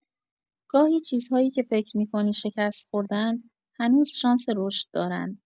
گاهی چیزهایی که فکر می‌کنی شکست خورده‌اند، هنوز شانس رشد دارند.